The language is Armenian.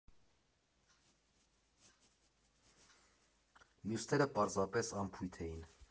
Մյուսները պարզապես անփույթ էին։